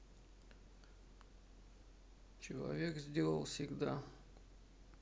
человек сделал всегда